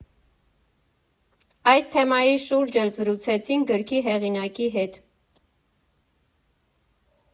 Այս թեմայի շուրջ էլ զրուցեցինք գրքի հեղինակի հետ։